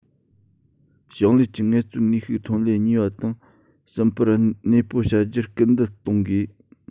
ཞིང ལས ཀྱི ངལ རྩོལ ནུས ཤུགས ཐོན ལས གཉིས པ དང གསུམ པར གནས སྤོ བྱ རྒྱུར སྐུལ སྤེལ གཏོང དགོས